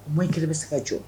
Au moins kelen bɛ se ka jɔ.